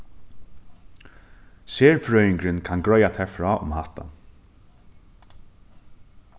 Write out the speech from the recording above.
serfrøðingurin kann greiða tær frá um hatta